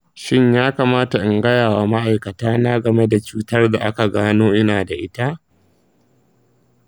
shin ya kamata in gaya wa ma’aikata na game da cutar da aka gano ina da ita?